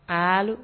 Aali